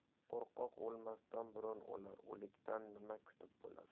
qo'rqoq o'lmasdan burun o'lar o'likdan nima kutib bo'lar